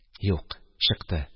Юк, чыкты